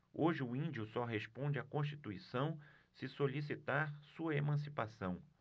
hoje o índio só responde à constituição se solicitar sua emancipação